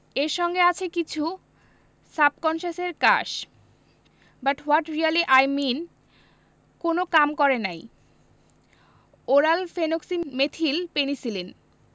এর সঙ্গে আছে কিছু সাবকন্সাসের কাশ but what really I mean কোন কাম করে নাই ওরাল ফেনোক্সিমেথিল পেনিসিলিন